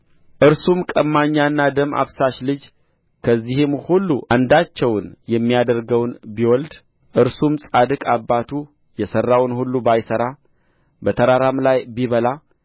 እርሱም ቀማኛና ደም አፍሳሽ ልጅ ከዚህም ሁሉ አንዳቸውን የሚያደርገውን ቢወልድ እርሱም ጻድቅ አባቱ የሠራውን ሁሉ ባይሠራ በተራራም ላይ ቢበላ